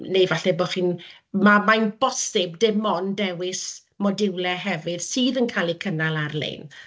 neu falle bo' chi'n... ma' mae'n bosib dim ond dewis modiwlau hefyd sydd yn cael eu cynnal ar-lein